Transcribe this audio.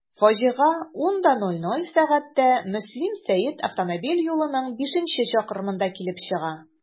Фаҗига 10.00 сәгатьтә Мөслим–Сәет автомобиль юлының бишенче чакрымында килеп чыга.